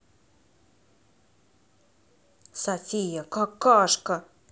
софия какашка